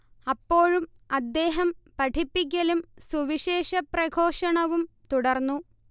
അപ്പോഴും അദ്ദേഹം പഠിപ്പിക്കലും സുവിശേഷ പ്രഘോഷണവും തുടർന്നു